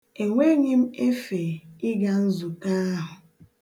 Enweghị m efe ịga nzukọ ahụ.